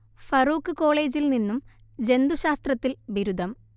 ഫറൂക്ക് കോളേജിൽ നിന്നും ജന്തുശാസ്ത്രത്തിൽ ബിരുദം